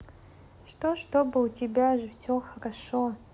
что чтобы у тебя же все хорошо